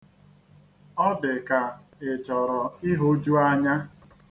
Ọ dị ka ị chọrọ ịhụju anya.